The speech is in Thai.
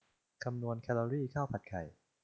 คำนวณแคลอรี่ข้าวผัดไข่